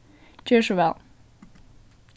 ger so væl